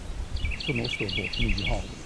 Så nå står båten mye i haven.